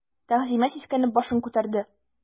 Тәгъзимә сискәнеп башын күтәрде.